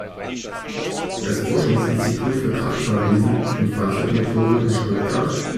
Forschungsinstitut für Kraftfahrwesen und Fahrzeugmotoren Stuttgart